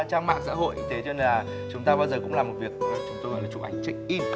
trang mạng xã hội thế cho nên là chúng ta bao giờ cũng làm một việc đó là chúng tôi phải chụp ảnh chếch in